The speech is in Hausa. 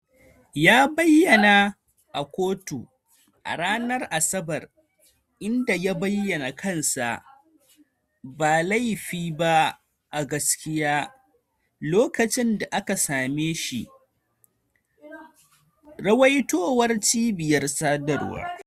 Ya bayyana a kotu a ranar Asabar, inda ya bayyana kansa "ba laifi ba, a gaskiya" lokacin da aka neme shi, ruwaitowar cibiyar sadarwa.